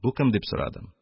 Бу кем?-дип сорадым.